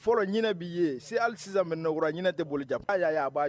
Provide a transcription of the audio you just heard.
Fɔlɔ ɲinin b'i se hali sisan mɛkɔrɔ ɲinin tɛ bolijan